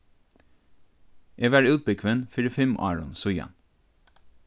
eg varð útbúgvin fyri fimm árum síðan